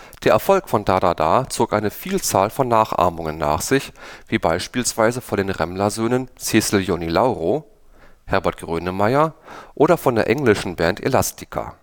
Der Erfolg von „ Da da da “zog eine Vielzahl von Nachahmungen nach sich, wie beispielsweise von den Remmler-Söhnen Cecil Jonni Lauro, Herbert Grönemeyer oder von der englischen Band Elastica